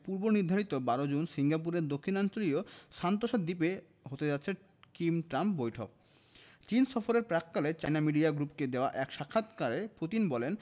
পূর্বনির্ধারিত ১২ জুন সিঙ্গাপুরের দক্ষিণাঞ্চলীয় সান্তোসা দ্বীপে হতে যাচ্ছে কিম ট্রাম্প বৈঠক চীন সফরের প্রাক্কালে চায়না মিডিয়া গ্রুপকে দেওয়া এক সাক্ষাৎকারে পুতিন বলেন